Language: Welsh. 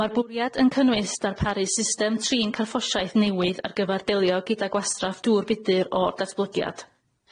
Ma'r bwriad yn cynnwys darparu system trin carffosiaeth newydd ar gyfar delio gyda gwastraff dŵr budr o'r datblygiad.